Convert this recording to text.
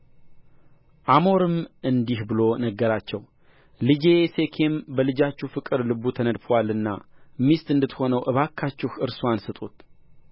ኤሞርም እንዲህ ብሎ ነገራቸው ልጄ ሴኬም በልጃችሁ ፍቅር ልቡ ተነድፎአልና ሚስት እንድትሆነው እባካችሁ እርስዋን ስጡት